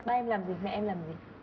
ba em làm gì mẹ em làm gì